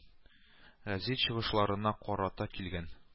Гәзит чыгышларына карата килгән